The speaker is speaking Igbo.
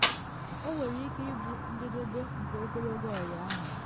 Ọ nwere ike ịbụ njedebe nke ogologo ọyị ahụ.